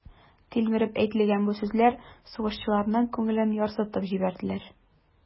Тилмереп әйтелгән бу сүзләр сугышчыларның күңелен ярсытып җибәрделәр.